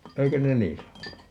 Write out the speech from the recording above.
eikö ne niin sanonut